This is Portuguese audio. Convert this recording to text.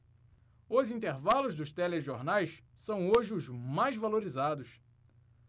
os intervalos dos telejornais são hoje os mais valorizados